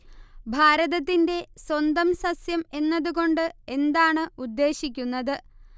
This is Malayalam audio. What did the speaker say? ഭാരതത്തിന്റെ സ്വന്തം സസ്യം എന്നതു കൊണ്ട് എന്താണ് ഉദ്ദേശിക്കുന്നത്